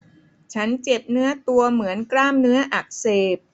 ฉันเจ็บเนื้อตัวเหมือนกล้ามเนื้ออักเสบ